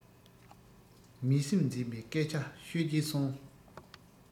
མི སེམས འཛིན པའི སྐད ཆ ཤོད ཀྱིན སོང